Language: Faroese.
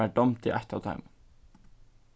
mær dámdi eitt av teimum